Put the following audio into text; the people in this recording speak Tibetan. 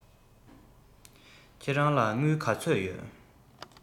ཁྱེད རང ལ དངུལ ལ ཚོད ཡོད